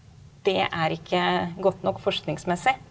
det er ikke godt nok forskningsmessig.